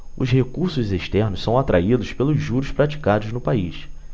os recursos externos são atraídos pelos juros praticados no país